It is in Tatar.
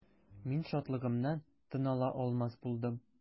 Мин шатлыгымнан тын ала алмас булдым.